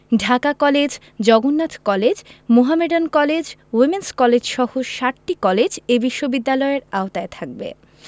Dhaka college Jagannath college Mohammedan college women's কলেজসহ সাতটি college এ বিশ্ববিদ্যালয়ের আওতায় থাকবে